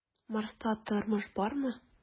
"марста тормыш бармы?"